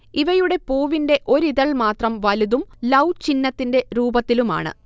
ഇവയുടെ പൂവിന്റെ ഒരിതൾമാത്രം വലുതും ലൗ ചിഹ്നത്തിന്റെ രൂപത്തിലുമാണ്